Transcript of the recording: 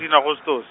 -teen Agostose.